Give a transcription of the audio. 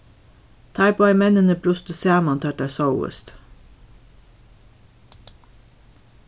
teir báðir menninir brustu saman tá ið teir sóust